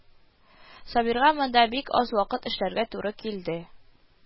Сабирга монда бик аз вакыт эшләргә туры килде